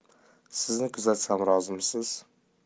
sizni kuzatsam rozimisiz